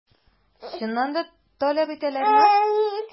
Чыннан да таләп итәләрме?